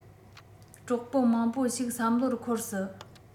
གྲོགས པོ མང པོ ཞིག བསམ བློར འཁོར སྲིད